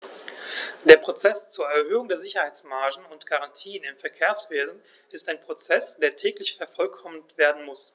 Der Prozess zur Erhöhung der Sicherheitsmargen und -garantien im Verkehrswesen ist ein Prozess, der täglich vervollkommnet werden muss.